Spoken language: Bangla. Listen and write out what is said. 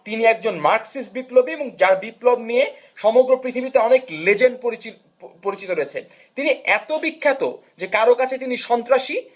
তিনি একজন মারক্সিস্ট বিপ্লবী এবং যার বিপ্লব নিয়ে পৃথিবীতে অনেক লেজেন্ড পরিচিত রয়েছে তিনি এত বিখ্যাত যে কারো কাছে তিনি সন্ত্রাসী